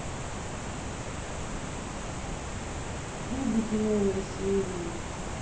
кубики новые серии